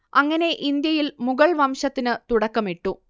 അങ്ങനെ ഇന്ത്യയിൽ മുഗൾവംശത്തിനു തുടക്കമിട്ടു